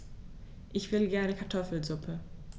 Ich will gerne Kartoffelsuppe.